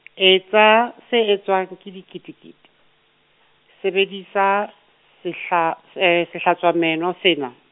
etsa, se etswang ke diketekete, sebedisa, sehla sehlatswameno sena.